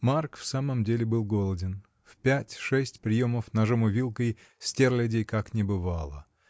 Марк в самом деле был голоден: в пять-шесть приемов ножом и вилкой стерлядей как не бывало